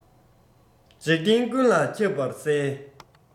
འཇིག རྟེན ཀུན ལ ཁྱབ པར གསལ